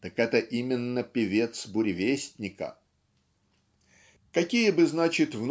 так это именно певец "Буревестника". Какие бы значит